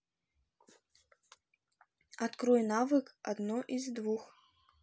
открой навык одно из двух